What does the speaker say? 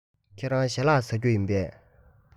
ཁྱེད རང ཞལ ལག མཆོད རྒྱུ བཟའ རྒྱུ ཡིན པས